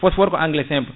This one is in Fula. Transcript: phosphore ko engrais simple